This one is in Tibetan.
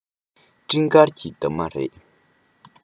སྤྲིན དཀར གྱི འདབ མ རེད